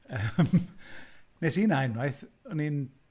Yym wnes i hynna unwaith. O'n i'n...